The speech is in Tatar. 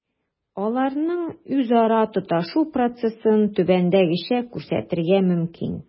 Аларның үзара тоташу процессын түбәндәгечә күрсәтергә мөмкин: